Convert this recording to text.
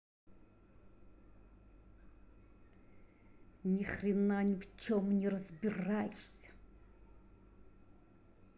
нихрена нивчем не разбираешься